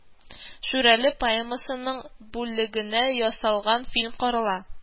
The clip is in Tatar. “шүрәле”поэмасының бүлегенә ясалган фильм карала